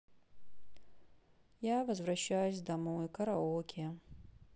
я возвращаюсь домой караоке